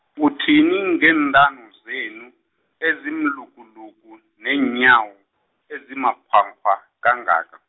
uthini ngeentamo zenu, ezimlukuluku, neenyawo, ezimakghwakghwa kangaka.